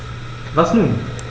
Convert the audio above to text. Was nun?